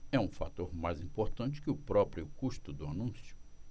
é um fator mais importante que o próprio custo do anúncio